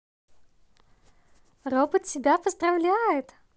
робот тебя поздравляет